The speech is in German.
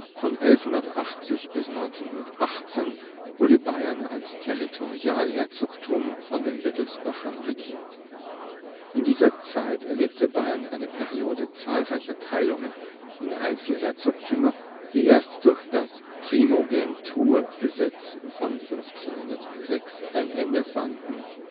Von 1180 bis 1918 wurde Bayern als Territorialherzogtum von den Wittelsbachern regiert. In dieser Zeit erlebte Bayern eine Periode zahlreicher Teilungen in Einzelherzogtümer, die erst durch das Primogeniturgesetz von 1506 ein Ende fanden